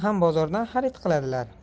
ham bozordan xarid qiladilar